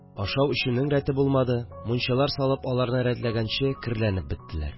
Ашау-эчүнең рәте булмады, мунчалар салып аларны рәтләгәнче керләнеп беттеләр